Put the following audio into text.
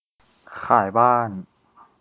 ขายบ้าน